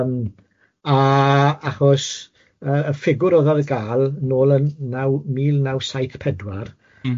Yym a achos yy y ffigwr odd odd gael nôl yn naw mil naw saith pedwar... M-hm.